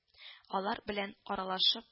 Алар белән аралашып